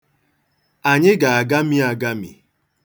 Anyị ga-agami agami.